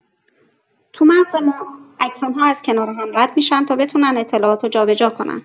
تو مغز ما اکسون‌ها از کنار هم رد می‌شن تا بتونن اطلاعات رو جا به جا کنن.